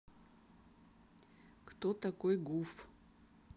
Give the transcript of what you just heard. кто такой гуф